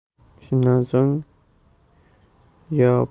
shundan so'ng yo patrul